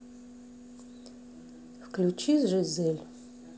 включи жизель